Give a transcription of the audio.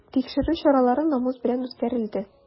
Тикшерү чаралары намус белән үткәрелде.